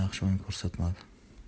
yaxshi o'yin ko'rsatmadi